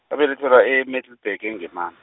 ngabelethelwa e- Middelburg eNgeman-.